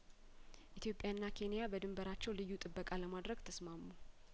ኢትዮጵያና ኬንያበድንበራቸው ልዩ ጥበቃ ለማድረግ ተስማሙ